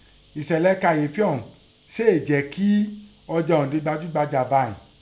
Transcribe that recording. èsẹ̀lẹ kàyééfì ọ̀ún sèè ẹi jẹ́ kín ọjà ọ̀ún di gbajúgbajà báìín.